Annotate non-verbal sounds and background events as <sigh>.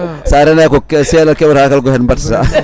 sa renaki ko seeɗa keeɓata o ko hen battata <laughs>